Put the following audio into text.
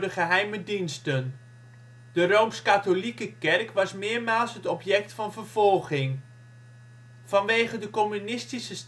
geheime diensten. De Rooms-katholieke Kerk was meermaals het object van vervolging. Vanwege de communistische